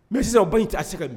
Mɛ sisan u ba in tɛ a se ka don